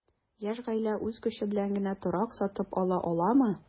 Яшь гаилә үз көче белән генә торак сатып ала аламы?